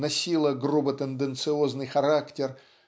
носило грубо-тенденциозный характер